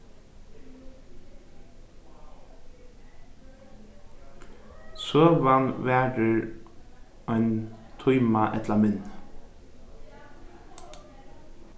søgan varir ein tíma ella minni